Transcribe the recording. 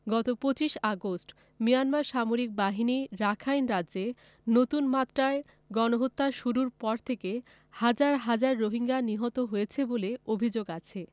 গত ২৫ August Myanmar সামরিক বাহিনী রাখাইন রাজ্যে নতুন মাত্রায় গণহত্যা শুরুর পর থেকে হাজার হাজার রোহিঙ্গা নিহত হয়েছে বলে অভিযোগ আছে